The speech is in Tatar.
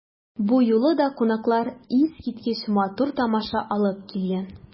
Бу юлы да кунаклар искиткеч матур тамаша алып килгән.